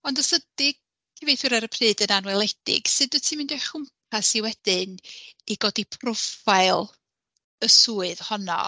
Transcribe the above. Ond os ydy cyfieithwyr ar y pryd yn anweledig, sut wyt ti'n mynd o'i chwmpas hi wedyn i godi profile y swydd honno?